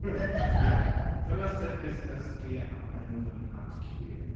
Ie, dyna sut wnes i ddysgu am enw fy nhad-cu.